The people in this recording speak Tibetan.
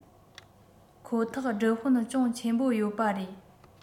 ཁོ ཐག སྒྲུབ དཔོན ཅུང ཆེན པོ ཡོད པ རེད